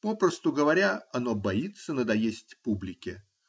попросту говоря, оно боится надоесть публике.